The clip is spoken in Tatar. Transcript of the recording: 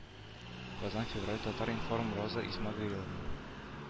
-- казан февраль татар-информ роза исмәгыйлова